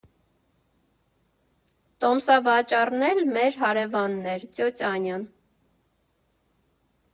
Տոմսավաճառն էլ մեր հարևանն էր՝ ծյոծ Անյան։